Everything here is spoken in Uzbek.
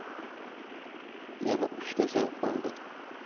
yana uchta jang qoldi